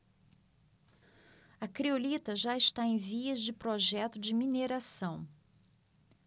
a criolita já está em vias de projeto de mineração